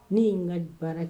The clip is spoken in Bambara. Ne ye n ka baara de